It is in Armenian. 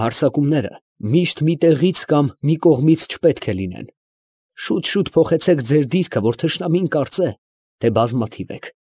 Հարձակումները միշտ մի տեղից կամ մի կողմից չպետք է լինեն, շուտ֊շուտ փոխեցեք ձեր դիրքը, որ թշնամին կարծե, թե բազմաթիվ եք։